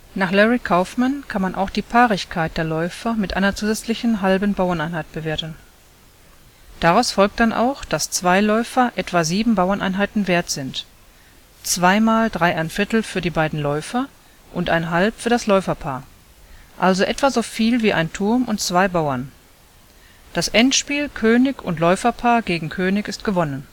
Nach Larry Kaufman kann man auch die Paarigkeit der Läufer mit einer zusätzlichen halben Bauerneinheit bewerten. Daraus folgt dann auch, dass zwei Läufer etwa sieben Bauerneinheiten wert sind (zwei Mal 3¼ für die beiden Läufer und ½ für das Läuferpaar), also etwa so viel wie ein Turm und zwei Bauern. Das Endspiel König und Läuferpaar gegen König ist gewonnen